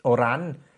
o ran